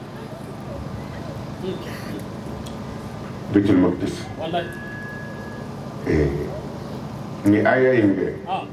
Bitɔnki ma nin a in fɛ